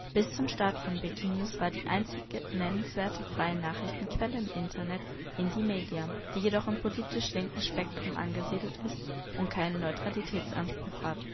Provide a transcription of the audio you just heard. Bis zum Start von Wikinews war die einzige nennenswerte freie Nachrichtenquelle im Internet Indymedia, die jedoch im politisch linken Spektrum angesiedelt ist und keinen Neutralitätsanspruch hat